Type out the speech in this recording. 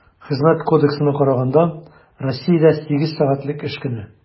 Хезмәт кодексына караганда, Россиядә сигез сәгатьлек эш көне.